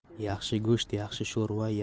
yaxshi go'sht yaxshi sho'rva